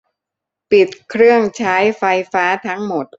ปิดเครื่องใช้ไฟฟ้าทั้งหมด